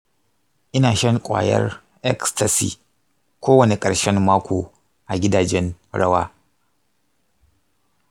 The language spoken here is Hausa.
ina shan ƙwayar ecstasy kowane ƙarshen mako a gidajen rawa.